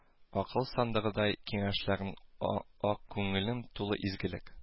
Акыл сандыгыдай киңәшләрең а ак күңелең тулы изгелек